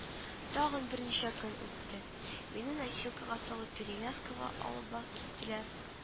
Тагын берничә көн үтте. Мине носилкага салып перевязкага алып бакиттеләр